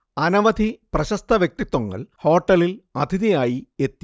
അനവധി പ്രശസ്ത വ്യക്തിത്വങ്ങൾ ഹോട്ടലിൽ അതിഥിയായി എത്തി